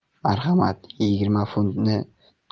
marhamat yigirma funtni